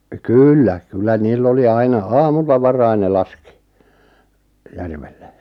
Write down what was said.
kyllä kyllä niillä oli aina aamulla varhain ne laski järvelle